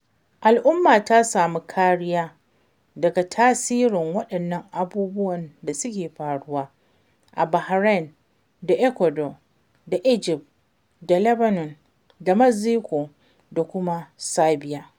Al'ummarmu ta samu kariya daga tasirin waɗannan abubuwan da suke faruwa a Bahrain da Ecuado da Egypt da Lebanon da Mexico da kuma Serbia.